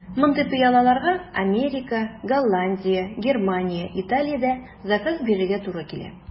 Мондый пыялаларга Америка, Голландия, Германия, Италиядә заказ бирергә туры килә.